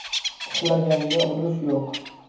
uxlaganga ulush yo'q